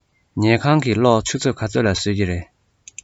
ཉལ ཁང གི གློག ཆུ ཚོད ག ཚོད ལ གསོད ཀྱི རེད